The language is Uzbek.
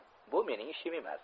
bu mening ishim emas